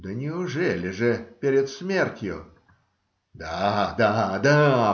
Да неужели же перед смертью? - Да, да, да!